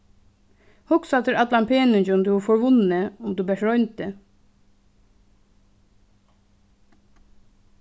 hugsa tær allan peningin tú hevði forvunnið um tú bert royndi